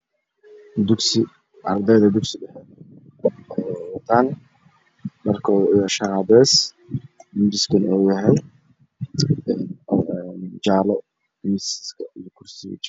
Dugsi ardayda dhexe dharkoodu uu yahay shaax cadeys miisas waa jaale iyo kuraasta.